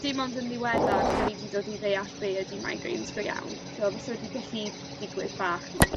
dim ond yn ddiweddar 'dyn ni 'di dod i ddeall be' ydi migraines go iawn. So fase fe 'di gall digwydd bach 'n